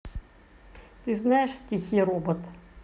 ты знаешь стихи робот